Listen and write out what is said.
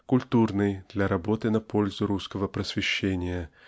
культурной -- для работы на пользу русского просвещения